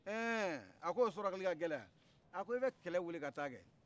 ɛɛ a ko sɔrɔli ka gɛlɛ a ki bɛ kɛlɛ wili ka kɛ